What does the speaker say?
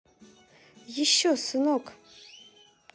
еще сынок